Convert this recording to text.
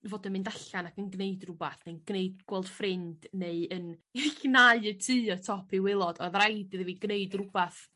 fod yn mynd allan ac yn gneud rwbath neu'n gneud gweld ffrind neu yn llnau y tŷ o top i waelod odd raid iddi fi gneud rwbath